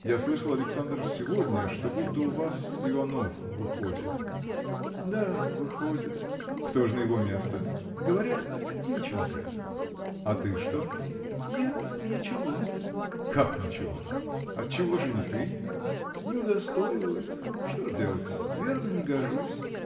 – Я слышал, Александр, сегодня, что будто у вас Иванов выходит. – Да, выходит. – Кто же на его место? – Говорят, Иченко. – А ты что? – Я? ничего. – Как ничего? Отчего же не ты? – Не удостоивают. Что же делать: верно, не гожусь.